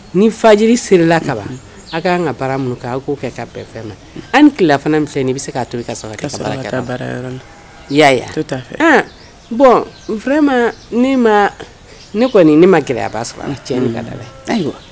Ni faji serala ka ban aw k kaan ka bara min kan k'o kɛ fɛn ma anfana min i bɛ se k' to y'a bɔn n ma ma ne kɔni ma gɛlɛya a b'a sɔrɔ an cɛ ka da la